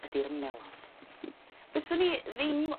ydi'r melon. Fyswn i ddim